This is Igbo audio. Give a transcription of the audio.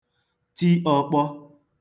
ti ọ̄kpọ̄